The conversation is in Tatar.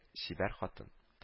Чибәр хатын